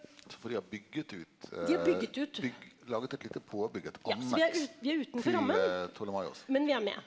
for dei har bygt ut laga eit lite påbygg, eit anneks til Ptolemaios.